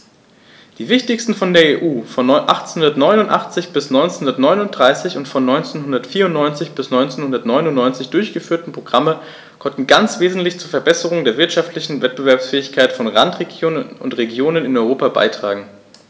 Die wichtigsten von der EU von 1989 bis 1993 und von 1994 bis 1999 durchgeführten Programme konnten ganz wesentlich zur Verbesserung der wirtschaftlichen Wettbewerbsfähigkeit von Randregionen und Regionen in Europa beitragen.